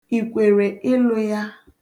I kwere ịlụ ya?